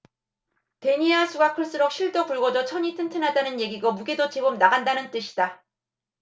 데니아 수가 클수록 실도 굵어져 천이 튼튼하다는 얘기고 무게도 제법 나간다는 뜻이다